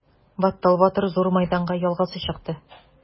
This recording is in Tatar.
Баттал батыр зур мәйданга ялгызы чыкты.